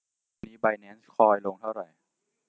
วันนี้ไบแนนซ์คอยลงเท่าไหร่